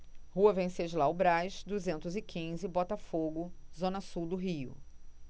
rua venceslau braz duzentos e quinze botafogo zona sul do rio